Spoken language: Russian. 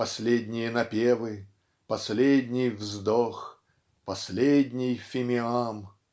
Последние напевы, Последний вздох, последний фимиам.